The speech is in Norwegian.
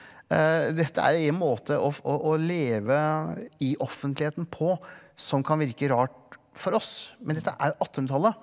dette er en måte å å å leve i offentligheten på som kan virke rart for oss, men dette er jo attenhundretallet.